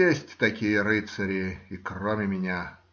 Есть такие рыцари и кроме меня.